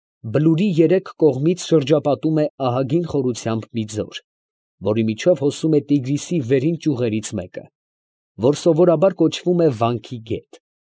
Բլուրի երեք կողմից շրջապատում է ահագին խորությամբ մի ձոր, որի միջով հոսում է Տիգրիսի վերին ճյուղերից մեկը, որ սովորաբար կոչվում է «Վանքի գետ»։